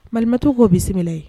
Malitɔ k'o bɛ sigilen ye